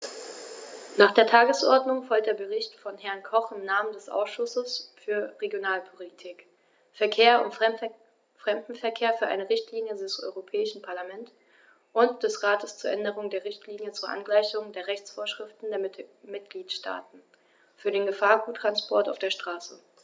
Nach der Tagesordnung folgt der Bericht von Herrn Koch im Namen des Ausschusses für Regionalpolitik, Verkehr und Fremdenverkehr für eine Richtlinie des Europäischen Parlament und des Rates zur Änderung der Richtlinie zur Angleichung der Rechtsvorschriften der Mitgliedstaaten für den Gefahrguttransport auf der Straße.